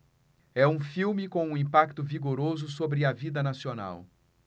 é um filme com um impacto vigoroso sobre a vida nacional